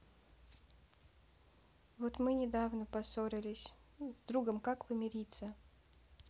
вот мы недавно поссорились с другом как помириться